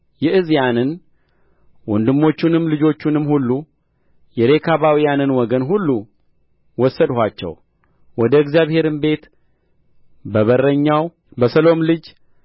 ያእዛንያን ወንድሞቹንም ልጆቹንም ሁሉ የሬካባውያንን ወገን ሁሉ ወሰድኋቸው ወደ እግዚአብሔርም ቤት በበረኛው በሰሎም ልጅ